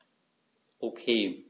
Okay.